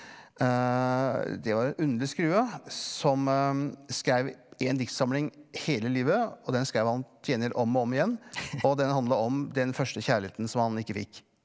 det var en underlig skrue som skreiv en diktsamling hele livet og den skreiv han til gjengjeld om og om igjen og den handla om den første kjærligheten som han ikke fikk.